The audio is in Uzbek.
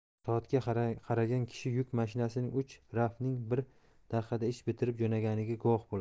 soatga qaragan kishi yuk mashinasining uch raf ning bir daqiqada ish bitirib jo'naganiga guvoh bo'ladi